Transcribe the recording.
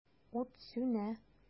Ут сүнә.